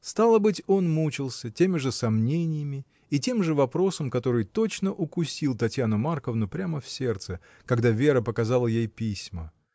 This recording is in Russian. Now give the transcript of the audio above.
Стало быть, он мучился теми же сомнениями и тем же вопросом, который точно укусил Татьяну Марковну прямо в сердце, когда Вера показала ей письма.